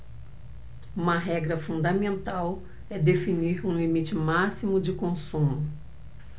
uma regra fundamental é definir um limite máximo de consumo